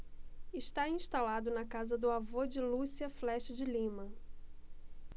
está instalado na casa do avô de lúcia flexa de lima